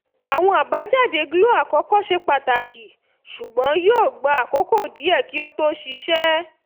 Àwọn àbájáde Glo-1 ṣe pàtàkì, ṣùgbọ́n yóò gba àkókò díẹ̀ kí ó tó ṣiṣẹ́.